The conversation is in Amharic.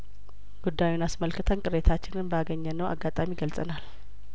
ጉዳዩን አስመልክ ተን ቅሬታ ችንን በአገኘነው አጋጣሚ ገልጸናል